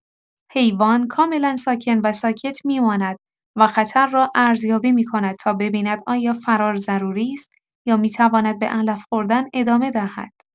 حیوان کاملا ساکن و ساکت می‌ماند و خطر را ارزیابی می‌کند تا ببیند آیا فرار ضروری است یا می‌تواند به علف خوردن ادامه دهد.